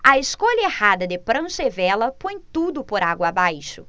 a escolha errada de prancha e vela põe tudo por água abaixo